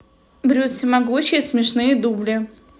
брюс всемогущий смешные дубли